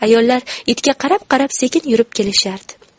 ayollar itga qarab qarab sekin yurib kelishardi